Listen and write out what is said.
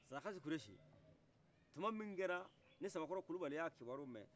sarakasi kulibali tuman min kɛra sabakɔrɔ kulibali y'a kibaru mɛn